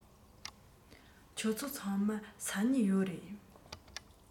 ཁྱོད ཚོ ཚང མར ས སྨྱུག ཡོད རེད